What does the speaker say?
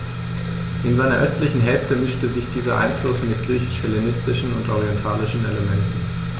In seiner östlichen Hälfte mischte sich dieser Einfluss mit griechisch-hellenistischen und orientalischen Elementen.